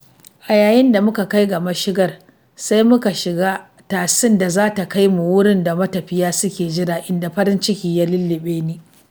A yayin da muka kai ga mashigan, sai muka shiga tasin da za ta kai mu wurin da matafiya suke jira, inda farin ciki ya lulluɓe ni.